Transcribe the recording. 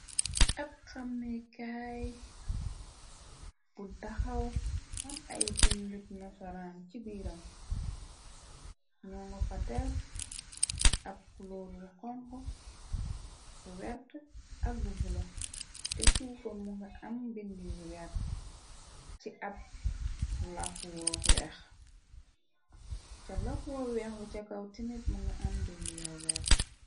Ab xamekaay bu daxaw am ay bindb nosoraan ci biiram ñoo nga fa def ab looru kong wert ak bu bula te suuko mu nga am bindy wert ci ab laoweex ca lafwoo weex bu cakaw timid mu nga am bind yo weert.